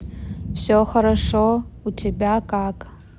все хорошо у тебя как